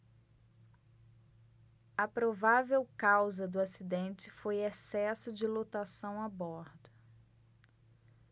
a provável causa do acidente foi excesso de lotação a bordo